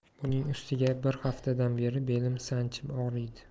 buning ustiga bir haftadan beri belim sanchib og'riydi